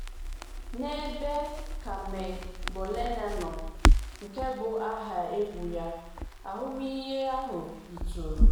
N'ebe Carmen Bolena nọ, nke bụ aha egwu ya, ahụmihe ahụ yituru.